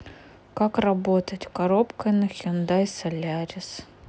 как работать коробкой на хендай солярис